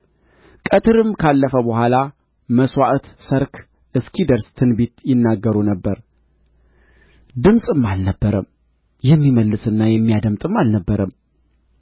ቀትርም ካለፈ በኋላ መሥዋዕተ ሠርክ እስኪደርስ ትንቢት ይናገሩ ነበር ድምፅም አልነበረም የሚመልስና የሚያደምጥም አልነበረም